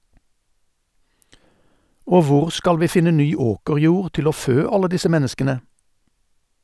Og hvor skal vi finne ny åkerjord til å fø alle disse menneskene?